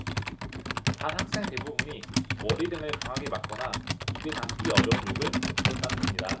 반 학생 대부분이 머리 등을 강하게 맞거나 입에 담기 어려운 욕을 들었다는 겁니다